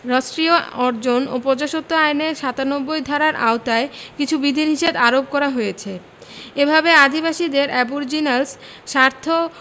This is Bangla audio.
রাষ্ট্রীয় অর্জন ও প্রজাস্বত্ব আইনের ৯৭ ধারার আওতায় কিছু বিধিনিষেধ আরোপ করা হয়েছে এভাবে আদিবাসীদের Aboriginals স্বার্থ